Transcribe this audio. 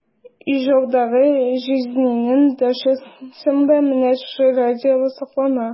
Ижаудагы җизнинең дачасында менә шушы радиола сакланган.